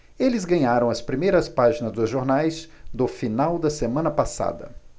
eles ganharam as primeiras páginas dos jornais do final da semana passada